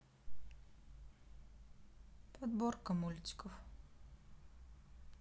подборка мультиков